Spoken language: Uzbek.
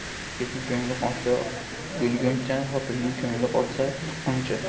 yigitning ko'ngli qolsa o'lguncha xotinning ko'ngli qolsa tuqquncha